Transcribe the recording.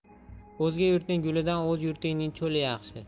o'zga yurtning gulidan o'z yurtingning cho'li yaxshi